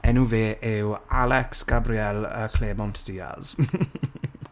Enw fe yw Alex Gabriel, yy, Claremont Diaz.